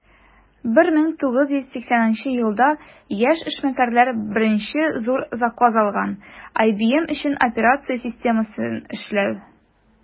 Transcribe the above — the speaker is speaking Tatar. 1980 елда яшь эшмәкәрләр беренче зур заказ алган - ibm өчен операция системасын эшләү.